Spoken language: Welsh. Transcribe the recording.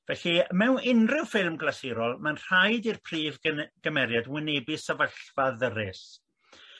Felly mewn unrhyw ffilm glasurol mae'n rhaid i'r prif gym- gymeriad wynebu sefyllfa ddyrus.